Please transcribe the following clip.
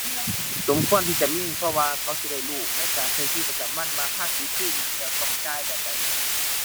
สมควรที่จะมี เพราะว่า เขาสิได้รู้ในการใช้ชีวิตประจำวันว่าภาษีคืออิหยัง แล้วต้องจ่ายแบบใด